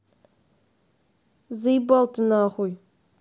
заебал ты нахуй